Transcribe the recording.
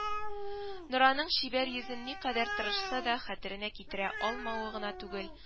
Нораның чибәр йөзен никадәр тырышса да, хәтеренә китерә алмавы гына түгел